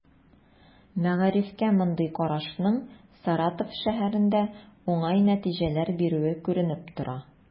Мәгарифкә мондый карашның Саратов шәһәрендә уңай нәтиҗәләр бирүе күренеп тора.